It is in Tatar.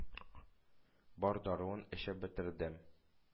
Бар даруын эчеп бетердем.